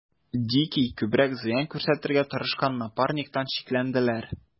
Дикий күбрәк зыян күрсәтергә тырышкан Напарниктан шикләнделәр.